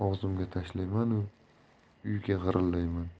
og'zimga tashlaymanu uyga g'irillayman